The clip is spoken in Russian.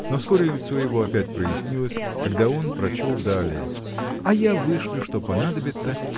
но вскоре лицо его опять прояснилось когда он прочел далее А я вышлю что понадобится